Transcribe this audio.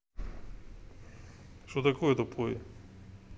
что такое тупой